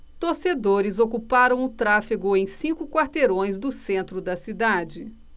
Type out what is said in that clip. torcedores ocuparam o tráfego em cinco quarteirões do centro da cidade